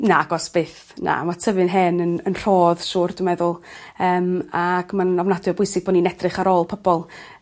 Nagos byth na ma' tyfu'n hen yn yn rhodd siŵr dwi meddwl yym ac ma'n ofnadwy o bwysig bo' ni'n edrych ar ôl pobol.